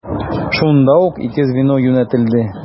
Шунда ук ике звено юнәтелде.